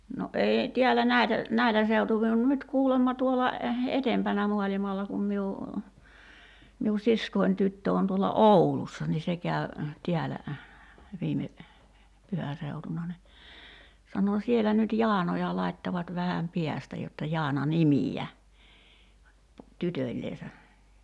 no ei täällä näitä näillä seutuvin on nyt kuulemma tuolla edempänä maailmalla kun minun minun siskoni tyttö on tuolla Oulussa niin se kävi täällä viime pyhän seutuna niin sanoi siellä nyt Jaanoja laittavat vähän päästä jotta Jaana nimiä tytöllensä